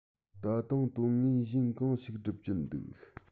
ད དུང དོན ངན གཞན གང ཞིག སྒྲུབ ཀྱིན འདུག